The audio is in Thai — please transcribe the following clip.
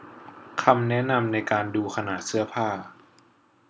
คำแนะนำในการดูขนาดเสื้อผ้า